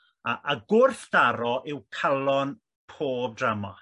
a a a gwrthdaro yw calon pob drama.